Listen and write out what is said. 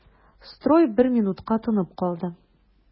Строй бер минутка тынып калды.